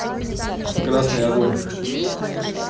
красный огонь